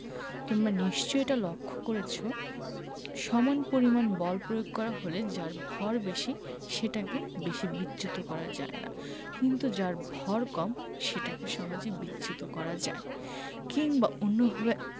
তোমরা নিশ্চয়ই এটা লক্ষ করেছ সমান পরিমাণ বল প্রয়োগ করা হলে যার ভর বেশি সেটাকে বেশি বিচ্যুত করা যায় না কিন্তু যার ভয় কম সেটাকে সহজে বিচ্যুত করা যায় কিংবা অন্যভাবে